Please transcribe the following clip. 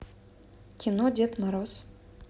кино дед мороз